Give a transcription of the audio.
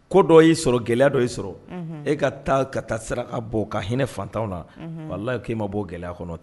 Ko dɔ y'i sɔrɔ, gɛlɛya dɔ y'i sɔrɔ, e ka taa ka aa ka saraka dɔ bɔ ka hinɛi fantanw na wallah k'e ma bɔ o gɛlɛya kɔnɔ o ti kɛ